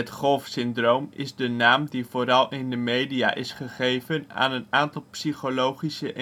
Golfsyndroom is de naam die vooral in de media is gegeven aan een aantal psychologische